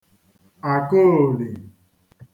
àkaoolì